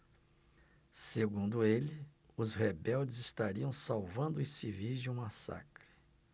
segundo ele os rebeldes estariam salvando os civis de um massacre